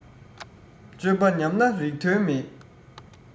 སྤྱོད པ ཉམས ན རིགས དོན མེད